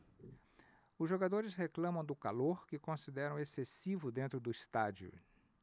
os jogadores reclamam do calor que consideram excessivo dentro do estádio